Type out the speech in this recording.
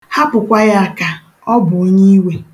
Hapụkwa ya aka, ọ bụ onye iwe.